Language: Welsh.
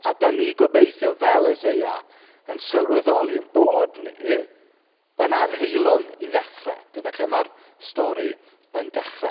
A dan ni gobeithio, fel Eseia yn sylweddoli ein bod ni yn anheilwng i ddechrau, dyna lle mae'r stori yn dechrau.